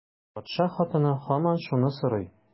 Патша хатыны һаман шуны сорый.